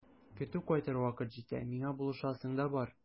Көтү кайтыр вакыт җитә, миңа булышасың да бар.